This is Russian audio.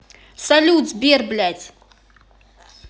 салют сбер блядь